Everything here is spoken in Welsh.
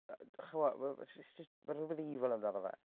Chimod ma' ma' jyst ma' rhywbeth evil amdano fe.